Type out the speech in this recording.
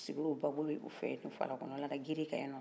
u siginr'o balofɛ falakɔnɔ na gere kan ye nɔn